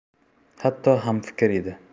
hatto hamfikr edi